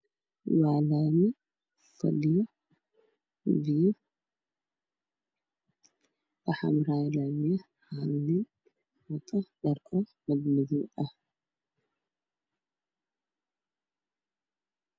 Waa laami waxaa fadhiya biyo waana laba qeyb geed cagaar ayaa i muuqda oo tallaal ah